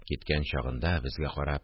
Киткән чагында, безгә карап